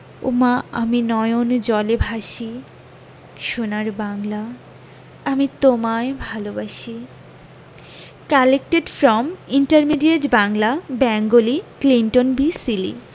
ওমা আমি নয়ন জলে ভাসি সোনার বাংলা আমি তোমায় ভালবাসি collected from intermediate Bangla Bengali Clinton B Seely